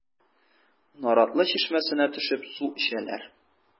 Наратлы чишмәсенә төшеп су эчәләр.